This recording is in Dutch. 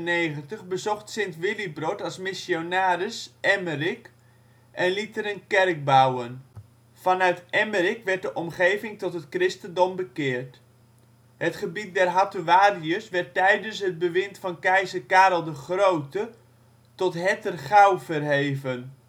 In 697 bezocht Sint Willibrord als missionaris Emmerik en liet er een kerk bouwen. Vanuit Emmerik werd de omgeving tot het christendom bekeerd. Het gebied der Hattuariërs werd tijdens het bewind van Keizer Karel de Grote tot Hettergouw verheven